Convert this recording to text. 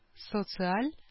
Социаль